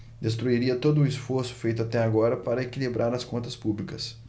destruiria todo esforço feito até agora para equilibrar as contas públicas